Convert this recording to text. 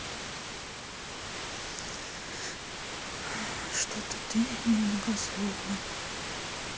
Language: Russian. что то ты немногословно